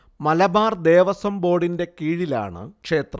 മലബാർ ദേവസ്വം ബോർഡിന്റെ കീഴിലാണ് ക്ഷേത്രം